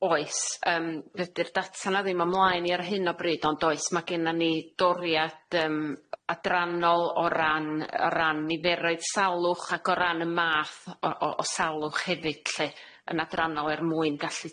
Oes yym dydi'r data na ddim o mlaen i ar hyn o bryd ond oes ma' gennon ni doriad yym adrannol o ran o ran niferoedd salwch ac o ran y math o o o salwch hefyd lly yn adrannol er mwyn gallu